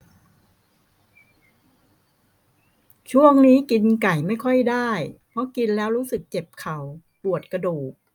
ช่วงนี้กินไก่ไม่ค่อยได้เพราะกินแล้วรู้สึกเจ็บเข่าปวดกระดูก